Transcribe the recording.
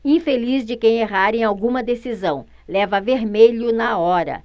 infeliz de quem errar em alguma decisão leva vermelho na hora